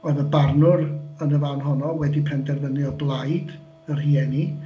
Oedd y barnwr yn y fan honno wedi penderfynu o blaid y rhieni.